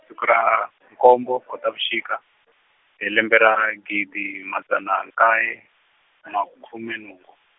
siku ra nkombo Khotavuxika, hi lembe ra gidi madzana nkaye , makhume nhungu.